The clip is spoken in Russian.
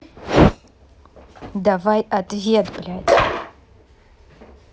давай ответь блядь